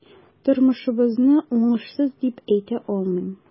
Тормышыбызны уңышсыз дип әйтә алмыйм.